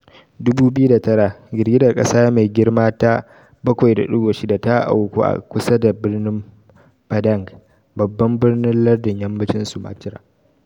2009: Girgizar kasa mai girma ta 7.6 ta auku a kusa da birnin Padang, babban birnin lardin yammacin Sumatra.